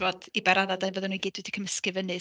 Tibod, i ba raddau de fyddan nhw gyd wedi cymysgu fyny.